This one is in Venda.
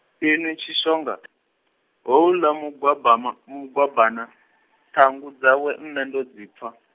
inwi Tshishonga , houḽa Mugwabama Mugwabana, ṱhangu dzawe nṋe ndo dzi pfa.